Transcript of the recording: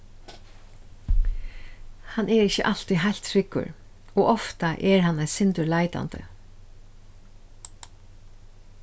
hann er ikki altíð heilt tryggur og ofta er hann eitt sindur leitandi